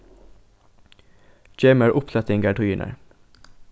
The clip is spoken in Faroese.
gev mær upplatingartíðirnar